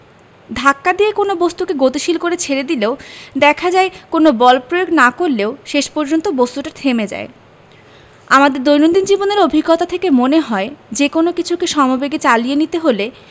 ধাক্কা দিয়ে কোনো বস্তুকে গতিশীল করে ছেড়ে দিলেও দেখা যায় কোনো বল প্রয়োগ না করলেও শেষ পর্যন্ত বস্তুটা থেমে যায় আমাদের দৈনন্দিন জীবনের অভিজ্ঞতা থেকে মনে হয় যেকোনো কিছুকে সমবেগে চালিয়ে নিতে হলে